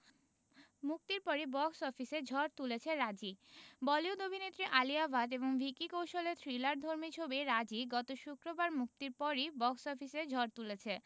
মুক্তির পরই বক্স অফিসে ঝড় তুলেছে রাজি বলিউড অভিনেত্রী আলিয়া ভাট এবং ভিকি কৌশলের থ্রিলারধর্মী ছবি রাজী গত শুক্রবার মুক্তির পরই বক্স অফিসে ঝড় তুলেছে